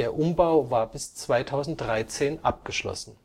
Umbau war bis 2013 abgeschlossen